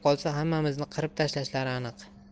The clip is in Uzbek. qolsa hammamizni qirib tashlashlari aniq